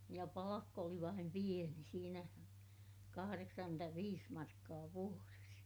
ja palkka oli vain pieni siinä kahdeksankymmentäviisi markkaa vuodessa